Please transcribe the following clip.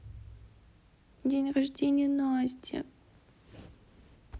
день рождения насти